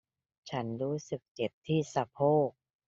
ฉันรู้สึกเจ็บที่สะโพก